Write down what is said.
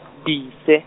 dise.